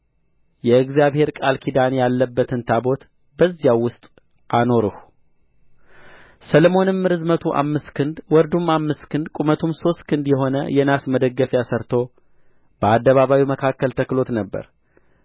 የእግዚአብሔር ቃል ኪዳን ያለበትን ታቦት በዚያው ውስጥ አኖርሁ ሰሎሞንም ርዝመቱ አምስት ክንድ ወርዱም አምስት ክንድ ቁመቱም ሦስት ክንድ የሆነ የናስ መደገፊያ ሠርቶ በአደባባዩ መካከል ተክሎት ነበር